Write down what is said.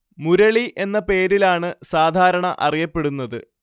മുരളി എന്ന പേരിലാണ് സാധാരണ അറിയപ്പെടുന്നത്